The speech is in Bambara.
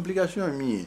Abilikasiɔn min ye